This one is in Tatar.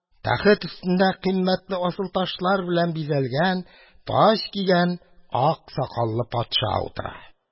Тәхет өстендә кыйммәтле асылташлар белән бизәлгән, таҗ кигән ак сакаллы патша утыра.